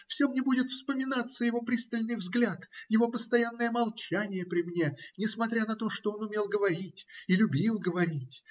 Все мне будет вспоминаться его пристальный взгляд, его постоянное молчание при мне, несмотря на то, что он умел говорить и любил говорить.